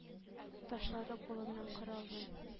Ташлады кулыннан коралын.